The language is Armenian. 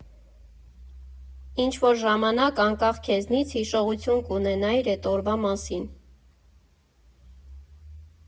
Ինչ֊որ ժամանակ, անկախ քեզնից հիշողություն կունենայիր էդ օրվա մասին։